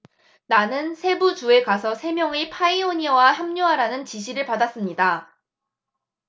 나는 세부 주에 가서 세 명의 파이오니아와 합류하라는 지시를 받았습니다